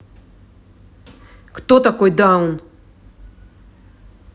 кто такой даун